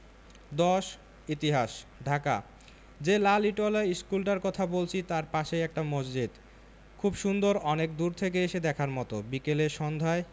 ১০ ইতিহাস ঢাকা যে লাল ইটোয়ালা ইশকুলটার কথা বলছি তাই পাশেই একটা মসজিদ খুব সুন্দর অনেক দূর থেকে এসে দেখার মতো বিকেলে সন্ধায়